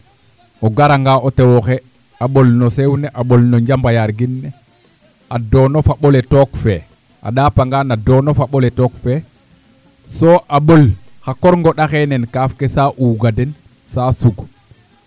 o garanga o tew oxe a ɓol no seew ne a ɓol no njamayaargin ne a doono foɓ ale took fee a ɗaapangaan a doon o faɓ ole took fee soo a ɓol xa korngoɗ xeene kaaf ke saa uug a den saa sug